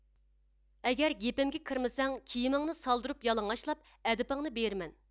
ئەگەر گېپىمگە كىرمىسەڭ كىيىمىڭنى سالدۇرۇپ يالىڭاچلاپ ئەدىپىڭنى بېرىمەن